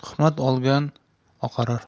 tuhmat olgan oqarar